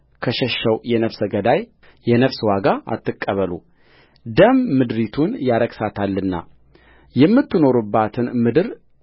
ከሸሸው የነፍስ ዋጋ አትቀበሉደም ምድሪቱን ያረክሳታልና የምትኖሩባትን ምድር